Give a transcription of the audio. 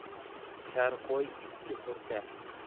kar qo'y ikki hurkar